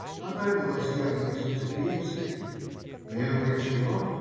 она милосердной сестрицей, а я врачом.